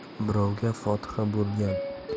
birovga fotiha bo'lgan